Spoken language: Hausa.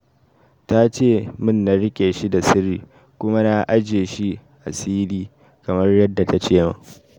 "Ta ce min in rike shi da sirri kuma na aje shi asiri kamar yadda ta ce min."